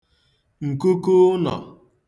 ǹkuku ụnọ̄